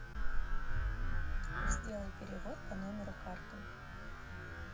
сделай перевод по номеру карты